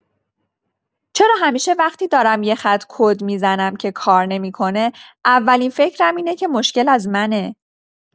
چرا همیشه وقتی دارم یه خط کد می‌زنم که کار نمی‌کنه، اولین فکرم اینه که مشکل از منه؟